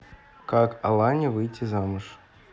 как алане выйти замуж